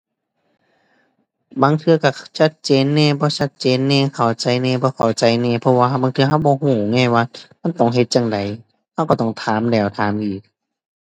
บางเทื่อก็ ชัดเจนแหน่ บ่ชัดเจนแหน่ เข้าใจแหน่ บ่เข้าใจแหน่ เพราะว่าหั้นบางเทื่อก็บ่ก็ไงว่ามันต้องเฮ็ดจั่งใด ก็ก็ต้องถามแล้วถามอีก